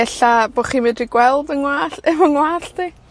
ella bo' chi medru gweld fy ngwallt, efo'n ngwallt i.